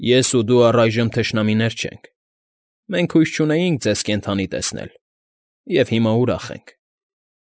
Ես ու դու առայժմ թշնամիներ չենք, մենք հույս չունեինք ձեզ կենդանի տեսնել և հիմա ուրախ ենք։